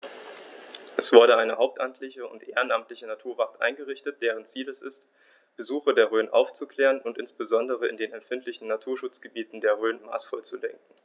Es wurde eine hauptamtliche und ehrenamtliche Naturwacht eingerichtet, deren Ziel es ist, Besucher der Rhön aufzuklären und insbesondere in den empfindlichen Naturschutzgebieten der Rhön maßvoll zu lenken.